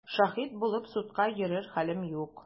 Шаһит булып судка йөрер хәлем юк!